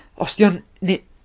Os ydy o'n... neu...